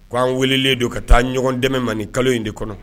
K ko' an welelen don ka taa ɲɔgɔn dɛmɛ man nin kalo in de kɔnɔ